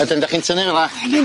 'Dyn 'da chi'n tynnu fela?